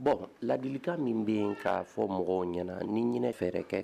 Bɔn ladilika min bɛ yen k'a fɔ mɔgɔw ɲɛna ni fɛɛrɛ kɛ